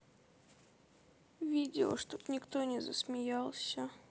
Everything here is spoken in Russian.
видео чтобы никто не засмеялся